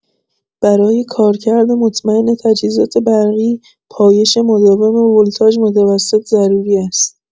برای کارکرد مطمئن تجهیزات برقی، پایش مداوم ولتاژ متوسط ضروری است.